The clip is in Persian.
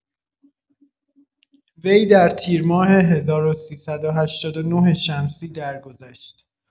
وی در تیر ماه ۱۳۸۹ شمسی درگذشت.